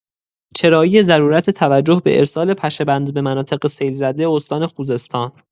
چرایی ضرورت توجه به ارسال پشه‌بند به مناطق سیل‌زده استان خوزستان.